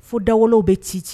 Fo da wolow bɛ ci ci